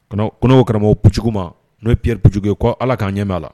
Kɔnɔ kɔnɔ karamɔgɔjugu ma n'o pɛrijugu ye kɔ ala k'an ɲɛ'a la